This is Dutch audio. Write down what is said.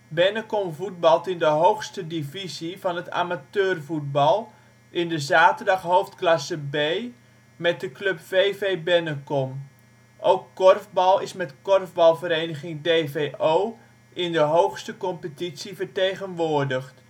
Bennekom voetbalt in de hoogste divisie van het amateurvoetbal, in de zaterdag hoofdklasse B, met de club VV Bennekom. Ook korfbal is met korfbalvereniging DVO in de hoogste competitie vertegenwoordigd